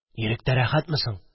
– иректә рәхәтме соң?